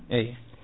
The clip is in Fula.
eyyi